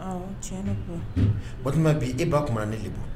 Tiɲɛn o tuma bi e ba kun neli bɔ